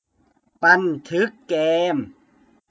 บันทึกเกม